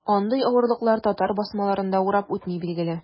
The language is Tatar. Андый авырлыклар татар басмаларын да урап үтми, билгеле.